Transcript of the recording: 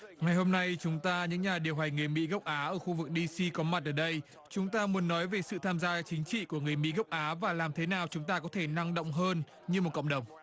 ngày hôm nay chúng ta những nhà điều hành người mỹ gốc á ở khu vực đi xi có mặt ở đây chúng ta muốn nói về sự tham gia chính trị của người mỹ gốc á và làm thế nào chúng ta có thể năng động hơn như một cộng đồng